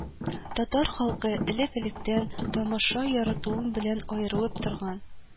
Татар халкы элек-электән тамаша яратуы белән аерылып торган